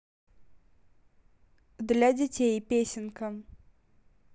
для детей песенка